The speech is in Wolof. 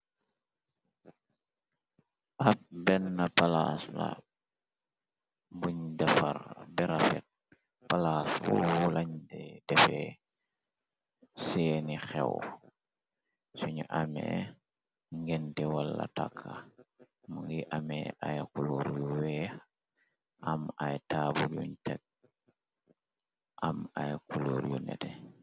Ab benn palaas la, buñ defar berafek, palaas wurwu lañte defe seeni xew sunu amee ngenti, wala tàkka, mu ngi amee ay kuluur yu weex, am ay taabu yuñ tek, am ay kuluur yu nete.